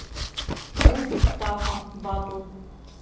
гуф птаха батл